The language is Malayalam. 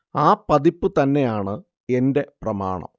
ആ പതിപ്പ് തന്നെയാണ് എന്റെ പ്രമാണം